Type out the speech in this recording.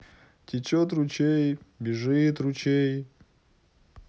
течет ручей бежит ручей